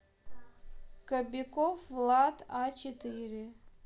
кабиков влад а четыре